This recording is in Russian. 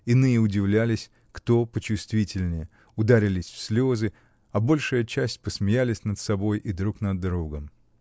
Иные удивлялись, кто почувствительнее, ударились в слезы, а большая часть посмеялись над собой и друг над другом.